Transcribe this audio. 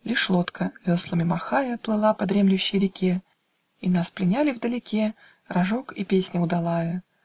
Лишь лодка, веслами махая, Плыла по дремлющей реке: И нас пленяли вдалеке Рожок и песня удалая.